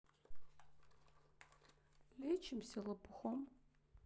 лечимся лопухом